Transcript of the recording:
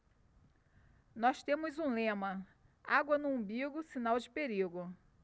nós temos um lema água no umbigo sinal de perigo